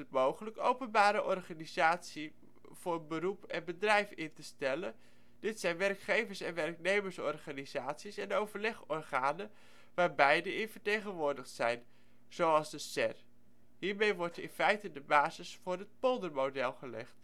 mogelijk openbare organisatie voor beroep en bedrijf in te stellen, dit zijn werkgevers - en werknemersorganisaties en overlegorganen waar beide in vertegenwoordigd zijn, zoals de SER. Hiermee wordt in feite de basis voor het poldermodel gelegd